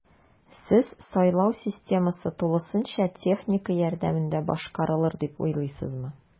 Сез сайлау системасы тулысынча техника ярдәмендә башкарарылыр дип уйлыйсызмы?